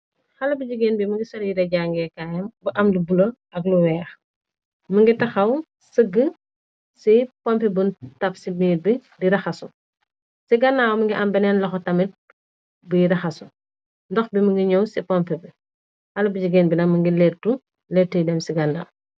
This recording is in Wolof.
Xala bu jigéen bi mi ngi sol yere jagekayam bu am lu bulo ak lu weex mi ngi taxaw sëgeh ci pompi bu taf ci miir bi di raxasu ci gannaaw mi ngi am beneen loxo tamit buy raxasu ndox bi mi ngi ñyaw ci pomp bi xala bi jigéen bi na mi ngi leettu leeta yu dem ci gannaaw.